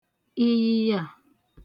ị̀yị̀yà